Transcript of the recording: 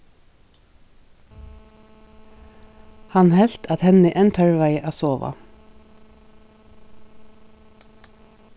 hann helt at henni enn tørvaði at sova